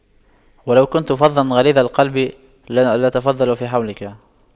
وَلَو كُنتَ فَظًّا غَلِيظَ القَلبِ لاَنفَضُّواْ مِن حَولِكَ